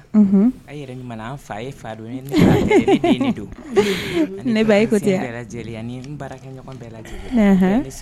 A fa fa ne ba e ko tɛ nikɛ ɲɔgɔn bɛɛ la